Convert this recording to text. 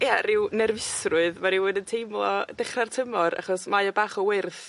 Ia ryw nerfisrwydd ma' rywun yn teimlo dechra'r tymor achos mae o bach o wyrth